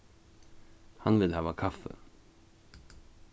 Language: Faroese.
hann vil hava kaffi